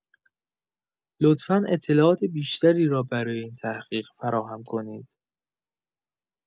لطفا اطلاعات بیشتری را برای این تحقیق فراهم کنید.